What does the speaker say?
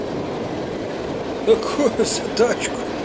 какую задачку